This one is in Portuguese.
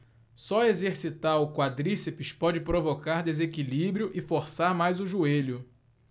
só exercitar o quadríceps pode provocar desequilíbrio e forçar mais o joelho